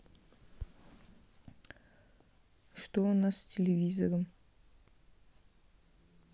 что у нас с телевизором